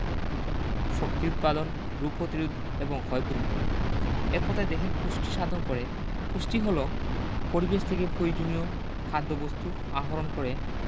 শক্তি উৎপাদন রোগ প্রতিরোধ এবং ক্ষয়পূরণ করে এক কথায় দেহের পুষ্টি সাধন করে পুষ্টি হলো পরিবেশ থেকে পয়োজনীয় খাদ্যবস্তু আহরণ করে